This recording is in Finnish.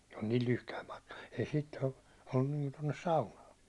se on niin lyhyt matka ei siitä ollut niin kuin tuonne saunaan